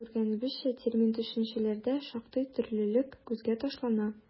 Күргәнебезчә, термин-төшенчәләрдә шактый төрлелек күзгә ташлана.